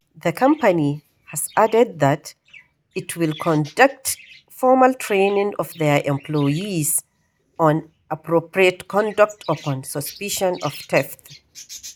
The company has added that it will conduct formal training of their employees on appropriate conduct upon suspicion of theft.